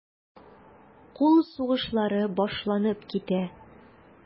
Кул сугышлары башланып китә.